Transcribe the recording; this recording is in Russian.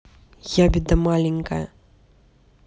ябеда маленькая